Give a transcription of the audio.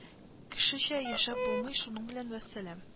Кешечә яшәп булмый - шуның белән вәссәлам